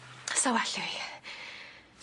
Sa well i fi.